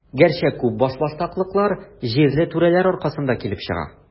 Гәрчә, күп башбаштаклыклар җирле түрәләр аркасында килеп чыга.